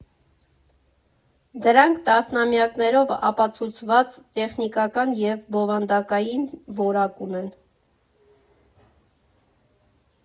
Դրանք տասնամյակներով ապացուցված տեխնիկական և բովանդակային որակ ունեն։